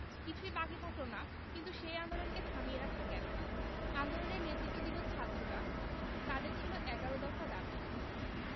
কিছুই বাকি থাকল না কিন্তু সেই আন্দোলনকে থামিয়ে রাখা গেল না আন্দোলনের নেতৃত্ব দিল ছাত্রেরা তাদের ছিল এগারো দফা দাবি